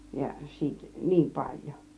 ja siitä niin paljon